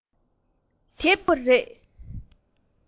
དེབ འདི དེབ ཐིར སྔོན པོ རེད